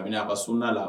Mais a ka suna la